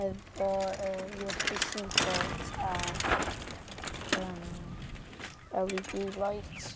Efo yy USB-C port ac yym LED light.